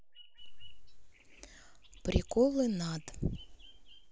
приколы над